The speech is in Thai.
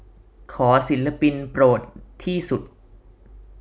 ขอศิลปินโปรดที่สุด